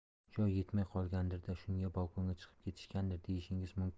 joy yetmay qolgandirda shunga balkonga chiqib ketishgandir deyishingiz mumkin